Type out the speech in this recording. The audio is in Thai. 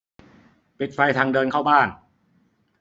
ปิดไฟทางเดินเข้าบ้าน